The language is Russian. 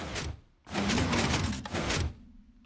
алина с